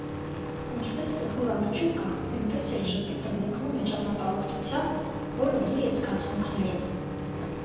Ինչպես տխուր արջուկը, էնպես էլ ժպիտը մեկնում է ճանապարհորդության, որը լի է զգացմունքներով։